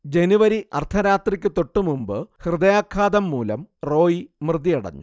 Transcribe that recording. ജനുവരി അർദ്ധരാത്രിക്കു തൊട്ടുമുമ്പ് ഹൃദയാഘാതം മൂലം റോയ് മൃതിയടഞ്ഞു